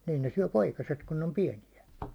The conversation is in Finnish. niin niin ne syö poikaset kun ne on pieniä